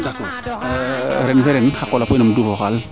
d' accord ren fene yit duufo xal